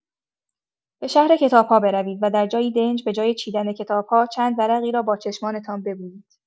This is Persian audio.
به شهر کتاب‌ها بروید و در جایی دنج، به‌جای چیدن کتاب‌ها، چند ورقی را با چشمانتان ببویید!